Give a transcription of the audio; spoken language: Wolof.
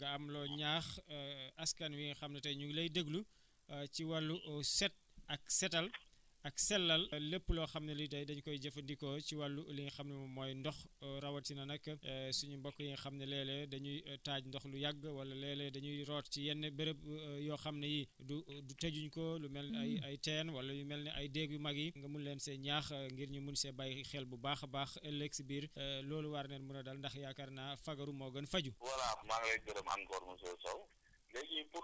waaye dañu buggoon aussi balaa ñuy tàggatoo nga am loo ñaax askan wi nga xam ne tey ñu ngi lay déglu ci wàllu set ak setal ak sellal lépp loo xam ne lii day day dañu koy jëfandikoo si wàllu li nga xam ne moom mooy ndox rawatina nag suñu mbokk yi nga xam ne léeg-léeg dañuy taaj ndox lu yàgg wala léeg-léeg dañuy root ci yenn béréb yoo xam ne yi du du tëjuñ ko lu mel ni ay ay teen wala lu mel ni ay déeg yu mag yi nga mun leen see ñaax ngir ñu mun see bàyyi xel bu baax a baax ëllëg si biir loolu war leen mun a dal ndax yaakaar naa fagaru moo gën faju